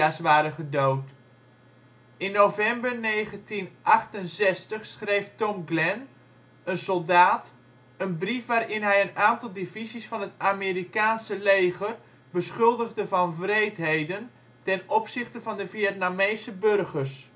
's waren gedood. In november 1968 schreef Tom Glen, een soldaat, een brief waarin hij een aantal divisies van het Amerikaanse leger beschuldigde van wreedheden ten opzichte van de Vietnamese burgers